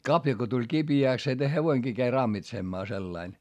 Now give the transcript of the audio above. kavio kun tuli kipeäksi se hevonenkin kävi rammitsemaan sillä lailla